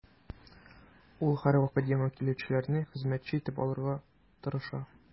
Ул һәрвакыт яңа килүчеләрне хезмәтче итеп алырга тырыша.